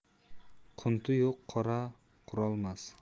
qunti yo'q qo'ra qurolmas